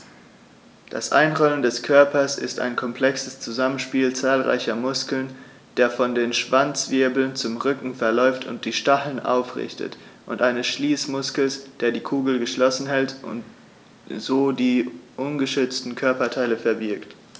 Das Einrollen des Körpers ist ein komplexes Zusammenspiel zahlreicher Muskeln, der von den Schwanzwirbeln zum Rücken verläuft und die Stacheln aufrichtet, und eines Schließmuskels, der die Kugel geschlossen hält und so die ungeschützten Körperteile verbirgt.